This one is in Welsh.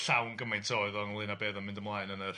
...llawn gymaint oedd ynghlyn â be oedd o'n mynd ymlaen yn yr